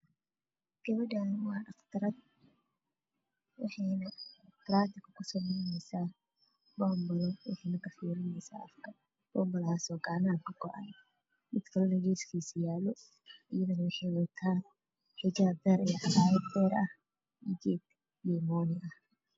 Gabadhaani waa dhakhtarad waxayna ku samaynaysaan boobale waxayna ka fiirinaysa boobalahaasoo gacmaha ka go ay mid kalane geeskiisa yaalo waxay wadataa xijaab dher iyo cabaayad dheer ah